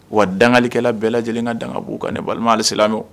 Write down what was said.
Wa dangalikɛla bɛɛ lajɛlen ka danbu kan ne balima silamɛ